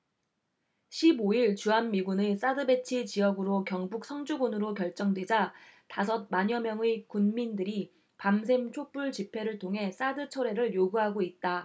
십 오 일 주한미군의 사드 배치 지역으로 경북 성주군으로 결정되자 다섯 만여명의 군민들이 밤샘 촛불 집회를 통해 사드 철회를 요구하고 있다